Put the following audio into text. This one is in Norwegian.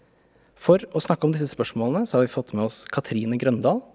for å snakke om disse spørsmålene så har vi fått med oss Cathrine Grøndahl.